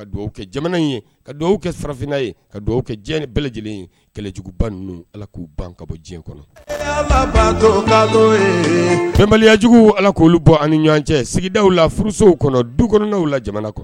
Ka dugawu kɛ jamana ye ka dugawu kɛ sarafinina ye ka dugawu kɛ diɲɛ bɛɛ lajɛlen ye kɛlɛjuguba ninnu ala k'u ban ka bɔ diɲɛ kɔnɔ ye kamalenbaliyajugu ala k'olu bɔ ani ɲɔgɔn cɛ sigidaw la furusow kɔnɔ du kɔnɔnaw la jamana kɔnɔ